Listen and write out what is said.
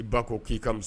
I ba ko k'i kami